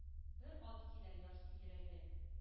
Бер ат килә, ярсый йөрәге.